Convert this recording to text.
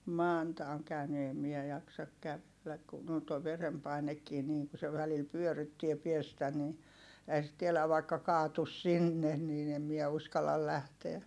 Manta on käynyt en minä jaksa kävellä kun on tuo verenpainekin niin kun se välillä pyörryttää päästä niin eihän sitä tiedä vaikka kaatuisi sinne niin en minä uskalla lähteä